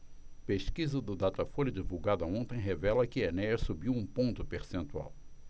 pesquisa do datafolha divulgada ontem revela que enéas subiu um ponto percentual